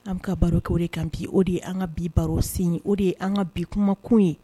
An ka barokɛ de kan bi o de ye an ka bi baro sen o de ye an ka bi kumakun ye